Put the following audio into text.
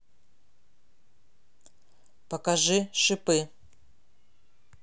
покажи шипы